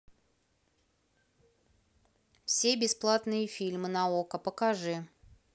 все бесплатные фильмы на окко покажи